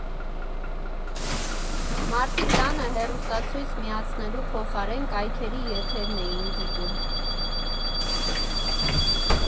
Մարդիկ տանը հեռուստացույց միացնելու փոխարեն կայքերի եթերներն էին դիտում։